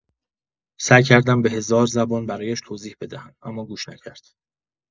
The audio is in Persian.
سعی کردم به هزار زبان برایش توضیح بدهم، اما گوش نکرد.